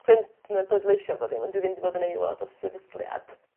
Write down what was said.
Dwi'n n- bleidleisio a bo' dim ond dwi ddim 'di bod yn aelod o sefydliad.